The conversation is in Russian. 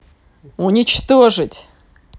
уничтожить